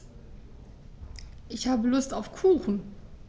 Ich habe Lust auf Kuchen.